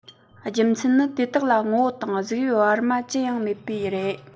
རྒྱུ མཚན ནི དེ དག ལ ངོ བོ དང གཟུགས དབྱིབས བར མ ཅི ཡང མེད པས རེད